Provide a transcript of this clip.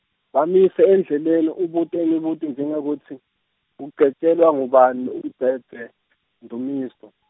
Bamise endleleni ubute imibuto njengekutsi, Ugcetjelwa ngubani umbhedze , Ndumiso?